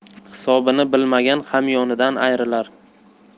hisobini bilmagan hamyonidan ayrilar